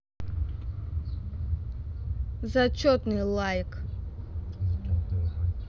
зачетный лайк